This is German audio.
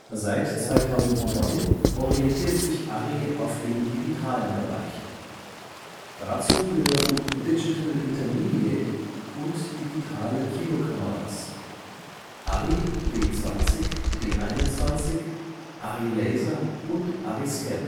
Seit 2009 orientiert sich Arri auf den digitalen Bereich. Dazu gehören Digital Intermediate und digitale Kinokameras ARRI D-20/D-21, ARRILASER und ARRISCAN